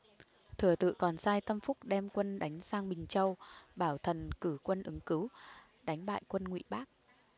thừa tự còn sai tâm phúc đem quân đánh sang bình châu bảo thần cử quân ứng cứu đánh bại quân ngụy bác